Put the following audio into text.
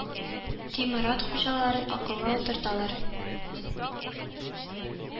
Тимер ат хуҗаларын акылга утырталар